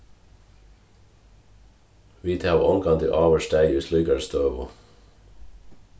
vit hava ongantíð áður staðið í slíkari støðu